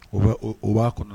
U bɛ o b'a kɔnɔ